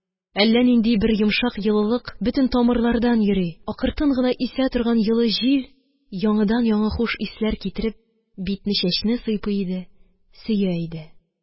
Әллә нинди бер йомшак йылылык бөтен тамырлардан йөри, акыртын гына исә торган йылы җил, яңыдан-яңы хуш исләр китереп, битне-чәчне сыйпый иде, сөя иде...